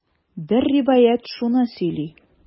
Бер риваять шуны сөйли.